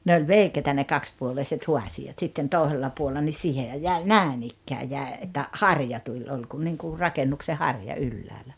ne oli veikeitä ne kaksipuoleiset haasiat sitten toisella puolella niin siihenhän jäi näin ikään jäi että harja tuli oli kuin niin kuin rakennuksen harja ylhäällä